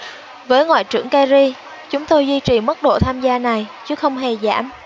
với ngoại trưởng kerry chúng tôi duy trì mức độ tham gia này chứ không hề giảm